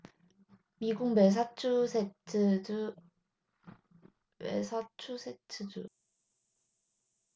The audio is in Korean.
미국 매사추세츠주에 사는 분 셰리던은 지난 십 일 정원으로 나갔다가 자신의 집 앞으로 찾아든 열 여명의 포켓몬 고 이용자들을 만났다